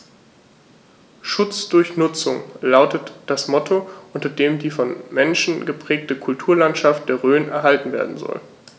„Schutz durch Nutzung“ lautet das Motto, unter dem die vom Menschen geprägte Kulturlandschaft der Rhön erhalten werden soll.